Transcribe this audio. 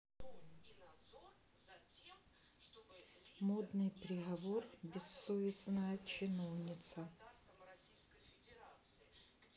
модный приговор бессовестная чиновница